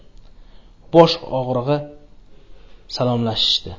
bosh og'rig'i salomlashishdi